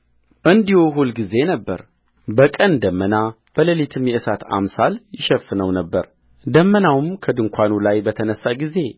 እንዲሁ ሁልጊዜ ነበረ በቀን ደመና በሌሊትም የእሳት አምሳል ይሸፍነው ነበርደመናውም ከድንኳኑ ላይ በተነሣ ጊዜ